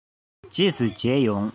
རྗེས སུ མཇལ ཡོང